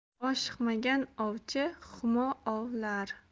oshiqmagan ovchi humo ovlar